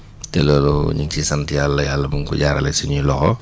te loolu ñu ngi ciy sant yàlla yàlla mu ngi ko jaarale suñuy loxo